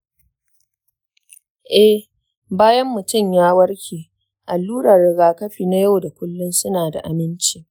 eh, bayan mutum ya warke, alluran rigakafi na yau da kullun suna da aminci.